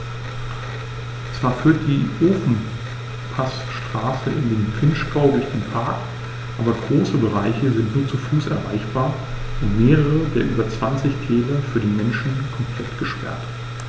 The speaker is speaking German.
Zwar führt die Ofenpassstraße in den Vinschgau durch den Park, aber große Bereiche sind nur zu Fuß erreichbar und mehrere der über 20 Täler für den Menschen komplett gesperrt.